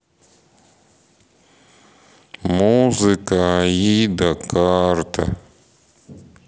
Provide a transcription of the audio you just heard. музыка аида карта